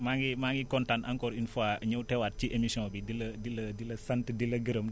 maa ngi maa ngi kontaan encore une fois ñëw teewaat ci émission bi di la di la di la sant di la gërëm